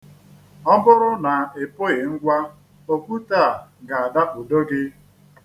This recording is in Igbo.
Ọ bụrụ na ị pụghị ngwa, okwute a ga-adakpudo gị.